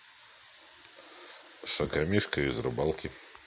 шокомишка из рыбалки